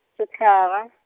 sehlaga.